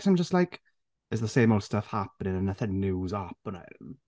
cos I'm just like, it's the same old stuff happening and nothing new's happening.